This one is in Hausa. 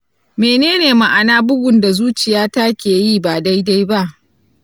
menene ma'ana bugun da zuciyata ke yi ba daidai ba?